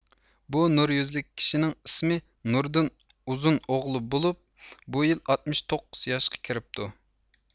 بۇ نۇر يۈزلۈك كىشىنىڭ ئىسمى نۇردىن ئۇزۇنوغلى بولۇپ بۇ يىل ئاتمىش توققۇز ياشقا كىرىپتۇ